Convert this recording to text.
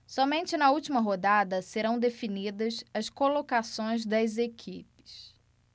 somente na última rodada serão definidas as colocações das equipes